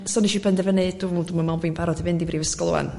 so neshi benderfynu dw- dwi'm yn me'l bo' fi'n barod i fynd i Brifysgol 'ŵan